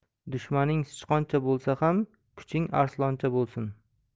dushmaning sichqoncha bo'lsa ham kuching arsloncha bo'lsin